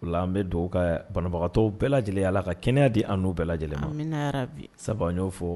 O la , an bɛ dugawu kɛ banabagatɔ bɛɛ lajɛlen ye allah ka kɛnɛya di an n'u bɛɛ lajɛlen, amina yaa rabbi sabu an y'o fɔ